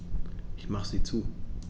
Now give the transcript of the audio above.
Ich mache sie zu.